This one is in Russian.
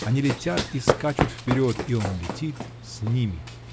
Они летят и скачут вперед -- и он летит с ними.